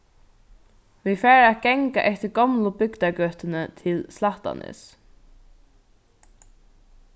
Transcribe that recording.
vit fara at ganga eftir gomlu bygdagøtuni til slættanes